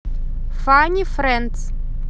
фанни френдс